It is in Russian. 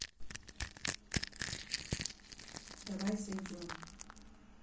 давай зайдем